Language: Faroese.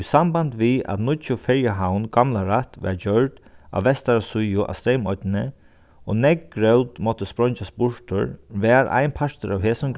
í sambandi við at nýggju ferjuhavn gamlarætt varð gjørd á vestaru síðu á streymoynni og nógv grót mátti spreingjast burtur varð ein partur av hesum